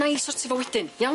Na'i sortio fo wedyn, iawn?